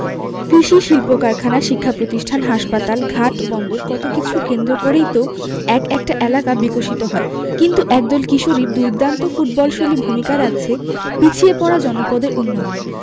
কৃষি শিল্পকারখানা শিক্ষাপ্রতিষ্ঠান হাসপাতাল ঘাট বন্দর কত কিছু কেন্দ্র করেই তো এক একটা এলাকা বিকশিত হয় কিন্তু একদল কিশোরীর দুর্দান্ত ফুটবলশৈলী ভূমিকা রাখছে পিছিয়ে পড়া জনপদের উন্নয়নে